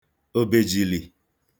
òbèjìlì